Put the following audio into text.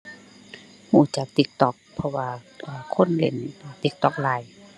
รู้จาก TikTok เพราะว่า เอ่อ คนเล่น เอ่อ TikTok หลาย